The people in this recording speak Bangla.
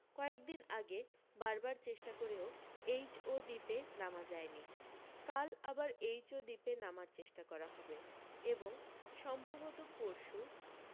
কয়েকদিন আগে বারবার চেষ্টা করেও এইচও দ্বীপে নামা যায়নি কাল আবার এইচও দ্বীপে নামার চেষ্টা করা হবে এবং সম্ভবত পরশু